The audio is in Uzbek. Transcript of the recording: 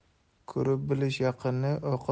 ko'rib bilish yaqinni